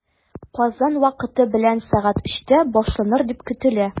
Казан вакыты белән сәгать өчтә башланыр дип көтелә.